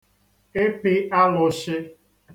ịpị alụ̄shị̄